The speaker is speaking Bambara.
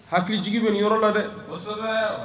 Hakili jigi bɛ yɔrɔ la dɛ parce